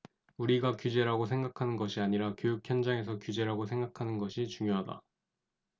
우리가 규제라고 생각하는 것이 아니라 교육 현장에서 규제라고 생각하는 것이 중요하다